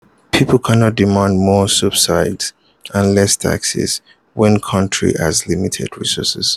People cannot demand more subsidies and less taxes, when country has limited resources.